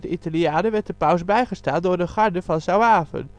Italianen werd de paus bijgestaan door een garde van Zouaven